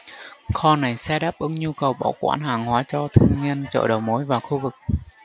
kho này se đáp ứng nhu cầu bảo quản hàng hóa cho thương nhân chợ đầu mối và khu vực